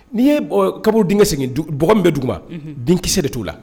N'i ye kab denkɛ segin dɔgɔ min bɛ dugu u ma denkisɛ de t'o la